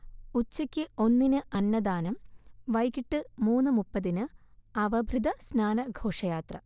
ഉച്ചക്ക് ഒന്നിന് അന്നദാനം വൈകീട്ട് മൂന്ന് മുപ്പതിന് അവഭൃഥ സ്നാന ഘോഷയാത്ര